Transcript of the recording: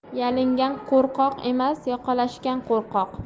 yalingan qo'rqoq emas yoqalashgan qo'rqoq